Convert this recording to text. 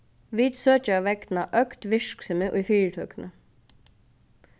vit søkja vegna økt virksemi í fyritøkuni